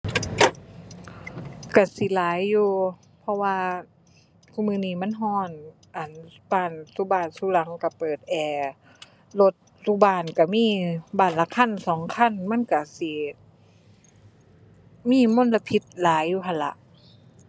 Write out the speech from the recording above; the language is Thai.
ไฮไลต์มีปัญหา